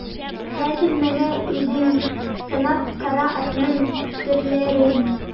Хәзер менә үзең санап кара атның төрләрен.